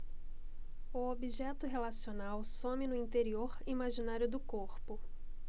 o objeto relacional some no interior imaginário do corpo